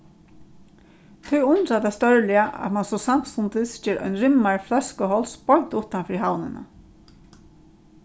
tí undrar tað stórliga at mann so samstundis ger ein rimmar fløskuháls beint uttan fyri havnina